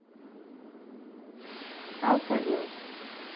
alphaville